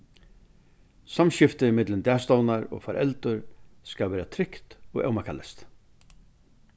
samskiftið millum dagstovnar og foreldur skal vera trygt og ómakaleyst